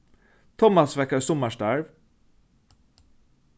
tummas fekk eitt summarstarv